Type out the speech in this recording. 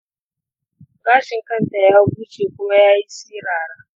gashin kanta ya bushe kuma ya yi sirara.